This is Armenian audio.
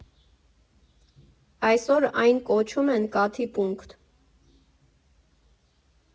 Այսօր այն կոչում են «Կաթի պունկտ»